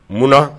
Mun na